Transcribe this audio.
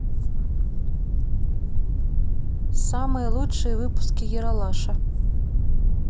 самые лучшие выпуски ералаша